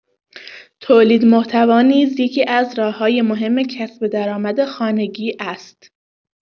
تولید محتوا نیز یکی‌از راه‌های مهم کسب درآمد خانگی است.